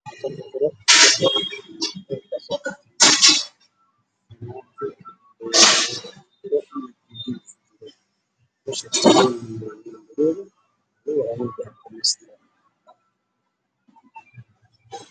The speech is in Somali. Waa boonbale midabkiisu yahay madow katiin dahabi